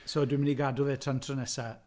So dwi'n mynd i gadw fe tan tro nesa.